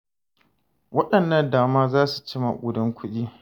Waɗannan dama za su ci maƙudan kuɗi.